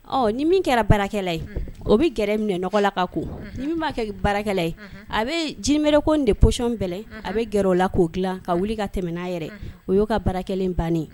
Ɔ ni min kɛra baarakɛla ye o bɛ gɛrɛ minɛɔgɔ la ka ko ni'a kɛ baarakɛla ye a bɛ jibere ko de psiyon bɛɛlɛ a bɛ gɛrɛ o la k'o dilan ka wuli ka tɛmɛɛna yɛrɛ o y'o ka baarakɛ bannen